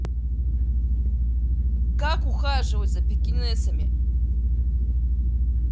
как ухаживать за пекинесами